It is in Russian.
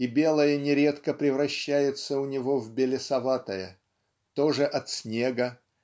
и белое нередко превращается у него в белесоватое тоже от снега